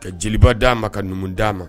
Ka jeliba d'a ma ka n numu d dia ma